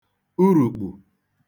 urùkpù